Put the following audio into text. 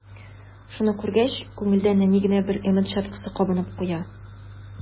Шуны күргәч, күңелдә нәни генә бер өмет чаткысы кабынып куя.